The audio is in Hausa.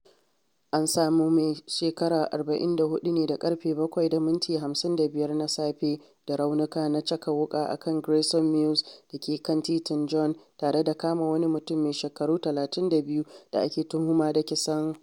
An sami mai shekaru 44 ne da ƙarfe 7:55 na safe da raunuka na caka wuka a kan Grayson Mews da ke kan Titin John, tare da kama wani mutum mai shekaru 32 da ake tuhuma da kisan.